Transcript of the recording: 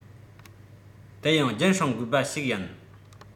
དེ ཡང རྒྱུན བསྲིང དགོས པ ཞིག ཡིན